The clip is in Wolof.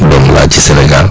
doom laa ci Sénégal